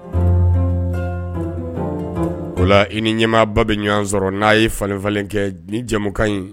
O la i ni ɲɛmaaba bɛ ɲɔan sɔrɔ n'a ye falen falen kɛ nin jɛɛmukan in